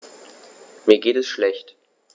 Mir geht es schlecht.